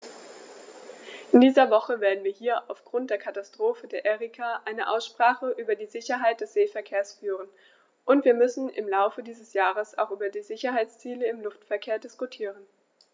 In dieser Woche werden wir hier aufgrund der Katastrophe der Erika eine Aussprache über die Sicherheit des Seeverkehrs führen, und wir müssen im Laufe dieses Jahres auch über die Sicherheitsziele im Luftverkehr diskutieren.